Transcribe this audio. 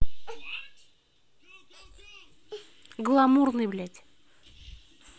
гламурный блядь